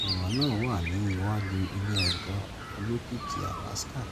Ọ̀ràn náà wà ní iwájú ilé ẹjọ Olókìkí Alaska.